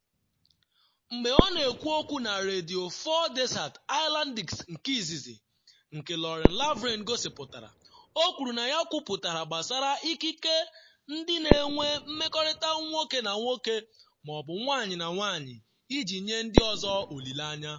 Mgbe ọ na-ekwu okwu na Radio 4 Desert Island Discs nke izizi, nke Lauren Laverne gosipụtara, o kwuru na ya kwuputara gbasara ikike ndị na-enwe mmekọrịta nwoke na nwoke ma ọ bụ nwanyị na nwanyị iji nye ndị ọzọ “olile anya.”